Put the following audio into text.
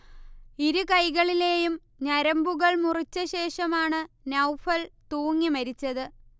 ഇരു കൈകളിലെയും ഞരമ്പുകൾ മുറിച്ചശേഷമാണു നൗഫൽ തൂങ്ങിമരിച്ചത്